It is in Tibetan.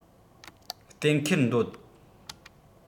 གཏན འཁེལ འདོད